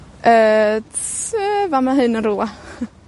yy, sef fama hyn yn rwla.